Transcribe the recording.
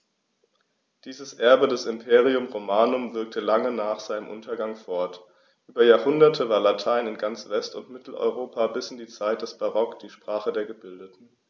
Dieses Erbe des Imperium Romanum wirkte lange nach seinem Untergang fort: Über Jahrhunderte war Latein in ganz West- und Mitteleuropa bis in die Zeit des Barock die Sprache der Gebildeten.